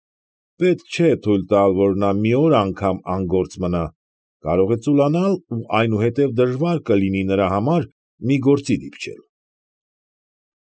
Պետք չէ թույլ տալ, որ նա մի օր անգամ անգործ մնա, կարող է ծուլանալ ու այնուհետև դժվար կլինի նրա համար մի գործի կպչել։